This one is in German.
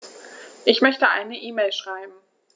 Ich möchte eine E-Mail schreiben.